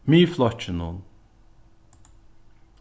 miðflokkinum